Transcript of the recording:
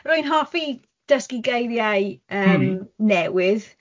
Rwy'n hoffi dysgu geiriau yym newydd.